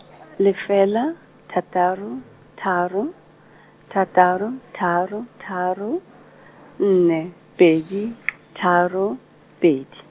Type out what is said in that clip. lefela, thataro, tharo, thataro, tharo, tharo , nne, pedi , tharo, pedi.